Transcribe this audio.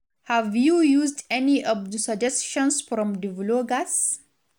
Have you used any of the suggestions from the bloggers?